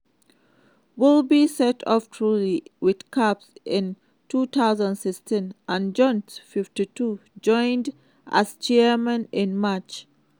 Willoughby set up Truly with Capp in 2016 and Jones, 52, joined as chairman in March.